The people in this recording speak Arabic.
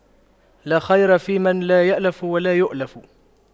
لا خير فيمن لا يَأْلَفُ ولا يؤلف